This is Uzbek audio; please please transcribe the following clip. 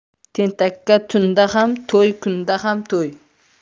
tentakka tunda ham to'y kunda ham to'y